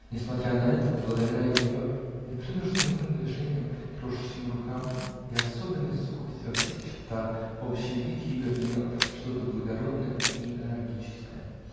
Несмотря на это, благодаря ее непринужденным движениям, крошечным рукам и особенной сухости во всех чертах, общий вид ее имел что-то благородное и энергическое.